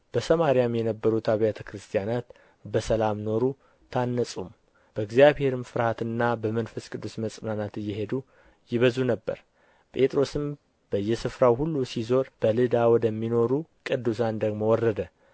በሰማርያም የነበሩት አብያተ ክርስቲያናት በሰላም ኖሩ ታነጹም በእግዚአብሔርም ፍርሃትና በመንፈስ ቅዱስ መጽናናት እየሄዱ ይበዙ ነበር ጴጥሮስም በየስፍራው ሁሉ ሲዞር በልዳ ወደሚኖሩ ቅዱሳን ደግሞ ወረደ